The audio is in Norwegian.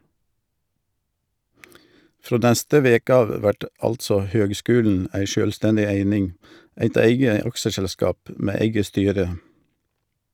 Frå neste veke av vert altså høgskulen ei sjølvstendig eining , eit eige aksjeselskap med eige styre.